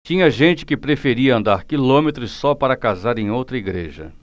tinha gente que preferia andar quilômetros só para casar em outra igreja